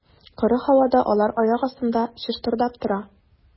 Коры һавада алар аяк астында чыштырдап тора.